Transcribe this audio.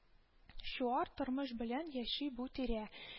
Чуар тормыш белән яши бу тирә